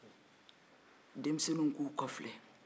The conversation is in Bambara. denmiisɛnnin k'u kɔfilɛ